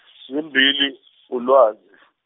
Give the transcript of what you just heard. zimbili uLwazi.